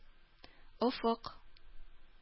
Офык